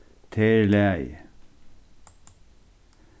tað er í lagi